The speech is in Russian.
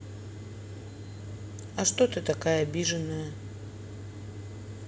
а что ты такая обиженная